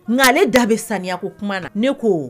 Nka ale da bɛ saniya ko kuma na ne ko